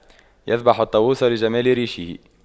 يذبح الطاووس لجمال ريشه